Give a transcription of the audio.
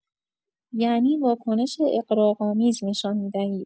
یعنی واکنش اغراق‌آمیز نشان می‌دهید.